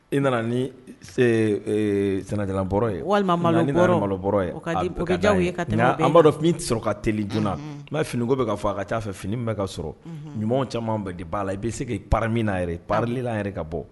I nana ni sɛnɛjɛɔrɔ walima b'a dɔn f sɔrɔ ka teli j n fini ko bɛ ka fɔ a ka ca fɛ fini bɛ ka sɔrɔ ɲuman caman ba de b'a la i bɛ se ka pa min yɛrɛ palila yɛrɛ ka bɔ